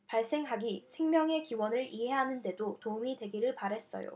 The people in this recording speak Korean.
발생학이 생명의 기원을 이해하는 데도 도움이 되기를 바랐어요